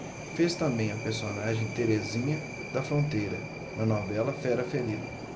fez também a personagem terezinha da fronteira na novela fera ferida